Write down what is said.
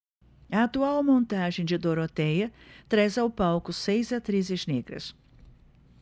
a atual montagem de dorotéia traz ao palco seis atrizes negras